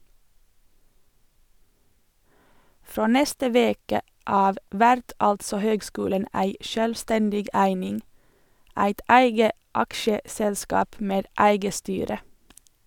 Frå neste veke av vert altså høgskulen ei sjølvstendig eining, eit eige aksjeselskap med eige styre.